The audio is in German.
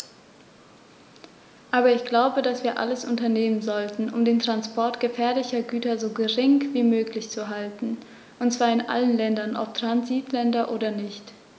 Aber ich glaube, dass wir alles unternehmen sollten, um den Transport gefährlicher Güter so gering wie möglich zu halten, und zwar in allen Ländern, ob Transitländer oder nicht.